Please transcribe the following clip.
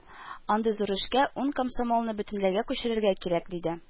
Андый зур эшкә ун комсомолны бөтенләйгә күчерергә кирәк, диде